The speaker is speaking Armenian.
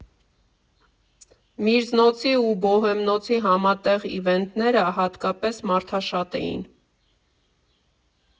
Միրզնոցի ու Բոհեմնոցի համատեղ իվենթները հատկապես մարդաշատ էին։